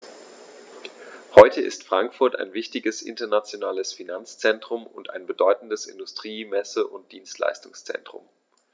Heute ist Frankfurt ein wichtiges, internationales Finanzzentrum und ein bedeutendes Industrie-, Messe- und Dienstleistungszentrum.